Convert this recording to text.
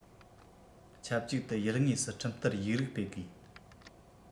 ཆབས ཅིག ཏུ ཡུལ དངོས སུ ཁྲིམས བསྟར ཡིག རིགས སྤེལ དགོས